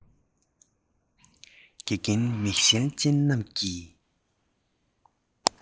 དགེ རྒན མིག ཤེལ ཅན རྣམས ཀྱིས